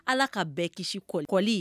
Ala ka bɛɛ kisi ko kɔli